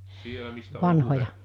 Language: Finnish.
siellä mistä oli puhetta